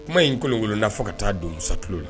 Kuma in kolonkolon n'a fɔ ka taa donsosa tulo la